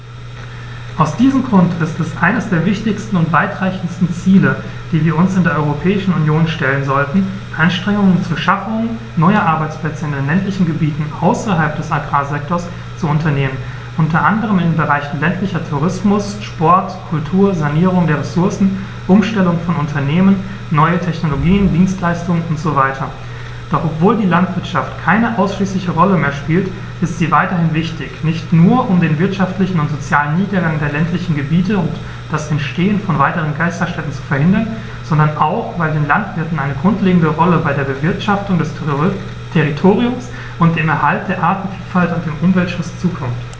Aus diesem Grund ist es eines der wichtigsten und weitreichendsten Ziele, die wir uns in der Europäischen Union stellen sollten, Anstrengungen zur Schaffung neuer Arbeitsplätze in den ländlichen Gebieten außerhalb des Agrarsektors zu unternehmen, unter anderem in den Bereichen ländlicher Tourismus, Sport, Kultur, Sanierung der Ressourcen, Umstellung von Unternehmen, neue Technologien, Dienstleistungen usw. Doch obwohl die Landwirtschaft keine ausschließliche Rolle mehr spielt, ist sie weiterhin wichtig, nicht nur, um den wirtschaftlichen und sozialen Niedergang der ländlichen Gebiete und das Entstehen von weiteren Geisterstädten zu verhindern, sondern auch, weil den Landwirten eine grundlegende Rolle bei der Bewirtschaftung des Territoriums, dem Erhalt der Artenvielfalt und dem Umweltschutz zukommt.